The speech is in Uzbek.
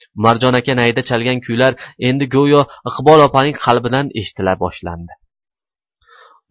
umarjon aka nayda chalgan kuylar endi go'yo iqbol opaning qalbidan eshitila boshladi